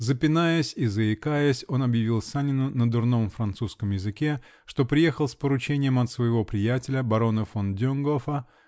Запинаясь и заикаясь, он объявил Санину на дурном французском языке, что приехал с поручением от своего приятеля, барона фон Донгофа